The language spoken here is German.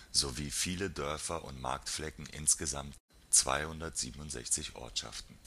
sowie viele Dörfer und Marktflecken, insgesamt ca. 267 Ortschaften